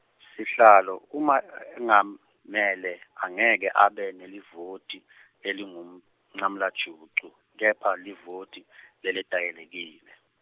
Sihlalo uma engam- mele, angeke abe nelivoti, lelingumncamlajucu kepha livoti, leletayelekile.